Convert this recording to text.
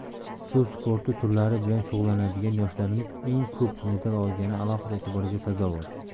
suv sporti turlari bilan shug'ullanadigan yoshlarimiz eng ko'p medal olgani alohida e'tiborga sazovor